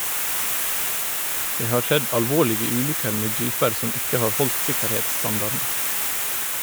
Det har skjedd alvorlige ulykker med jeeper som ikke har holdt sikkerhetsstandarden.